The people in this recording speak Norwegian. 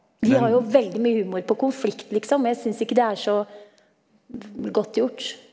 de har jo veldig mye humor på konflikt liksom, og jeg syns ikke det er så godt gjort.